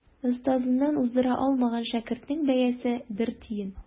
Остазыннан уздыра алмаган шәкертнең бәясе бер тиен.